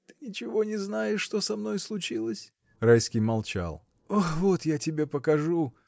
Ты ничего не знаешь, что со мной случилось?. Райский молчал. — Вот я тебе покажу.